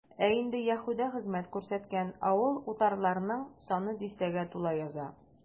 Ә инде Яһүдә хезмәт күрсәткән авыл-утарларның саны дистәгә тула яза.